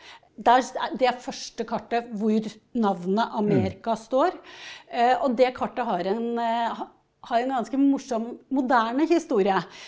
der det er første kartet hvor navnet Amerika står og det kartet har en har en ganske morsom moderne historie.